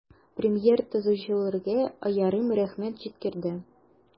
Премьер төзүчеләргә аерым рәхмәт җиткерде.